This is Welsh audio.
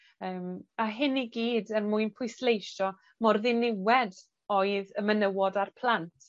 Yym a hyn i gyd er mwyn pwysleisio mor ddiniwed oedd y menywod a'r plant,